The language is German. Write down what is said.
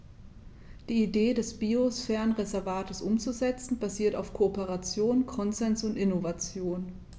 Die Idee des Biosphärenreservates umzusetzen, basiert auf Kooperation, Konsens und Innovation.